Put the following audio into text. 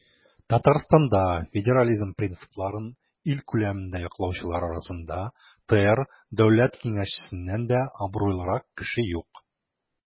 Татарстанда федерализм принципларын ил күләмендә яклаучылар арасында ТР Дәүләт Киңәшчесеннән дә абруйлырак кеше юк.